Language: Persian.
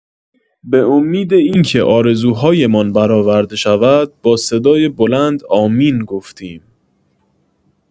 به امید اینکه آرزوهایمان برآورده شود، با صدای بلند آمین گفتیم.